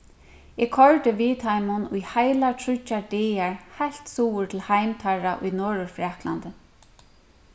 eg koyrdi við teimum í heilar tríggjar dagar heilt suður til heim teirra í norðurfraklandi